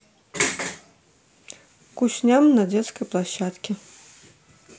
кусь ням на детской площадке